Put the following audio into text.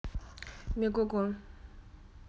мегого